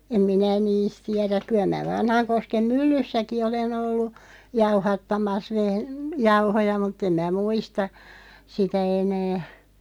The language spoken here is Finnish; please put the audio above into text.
en minä niistä tiedä kyllä minä Vanhankosken myllyssäkin olen ollut jauhattamassa - jauhoja mutta en minä muista sitä enää